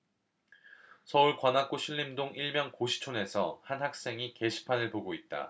서울 관악구 신림동 일명 고시촌에서 한 학생이 게시판을 보고 있다